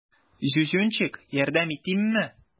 Зюзюнчик, ярдәм итимме?